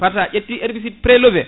par ce sa ƴetti herbicide prélevé